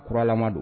Kuralama don